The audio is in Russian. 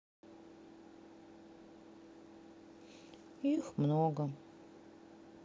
их много